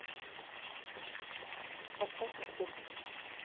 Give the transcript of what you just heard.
поставь на стоп